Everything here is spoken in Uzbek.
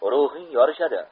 ruhing yerishadi